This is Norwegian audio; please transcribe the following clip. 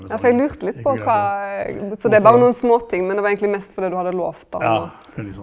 ja, for eg lurte litt på kva så det er berre nokon sånne småting, men det var eigentleg mest fordi du hadde lovt han at.